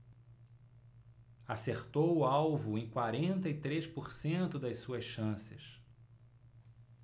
acertou o alvo em quarenta e três por cento das suas chances